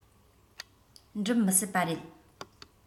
འགྲུབ མི སྲིད པ རེད